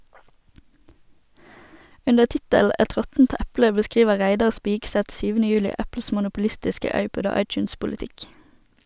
Under tittelen "Et råttent eple" beskriver Reidar Spigseth 7. juli Apples monopolistiske iPod- og iTunes-politikk.